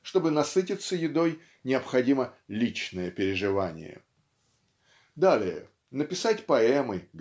Чтобы насытиться едой, необходимо "личное переживание". Далее написать поэмы